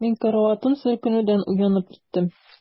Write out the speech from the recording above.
Мин караватым селкенүдән уянып киттем.